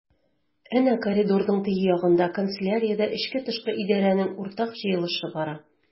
Әнә коридорның теге ягында— канцеляриядә эчке-тышкы идарәнең уртак җыелышы бара.